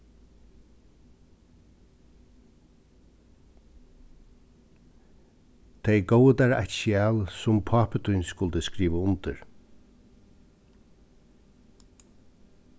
tey góvu tær eitt skjal sum pápi tín skuldi skriva undir